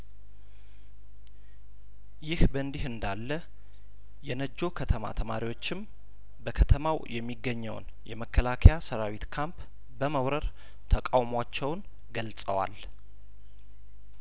ይህ በእንዲህ እንዳለየነጆ ከተማ ተማሪዎችም በከተማው የሚገኘውን የመከላከያ ሰራዊት ካምፕ በመውረር ተቃውሟቸውን ገልጸዋል